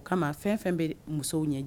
O kama fɛn fɛn bɛ musow ɲɛ